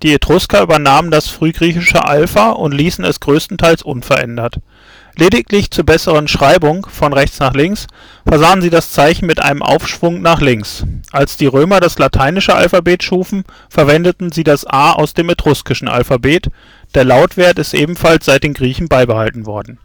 Etrusker übernahmen das frühgriechische Alpha und ließen es größtenteils unverändert. Lediglich zur besseren Schreibung (von rechts nach links) versahen sie das Zeichen mit einem Abschwung nach links. Als die Römer das lateinische Alphabet schufen, verwendeten sie das A aus dem etruskischen Alphabet, der Lautwert ist ebenfalls seit den Griechen beibehalten worden